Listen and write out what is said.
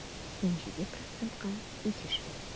- 17 процентка үсеш белән.